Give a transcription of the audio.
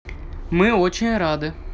мы очень рады